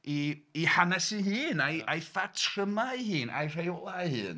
ei ei hanes ei hun, a'i a'i phatrymau ei hun, a'i rheolau ei hun.